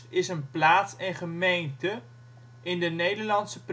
plaats en gemeente in de Nederlandse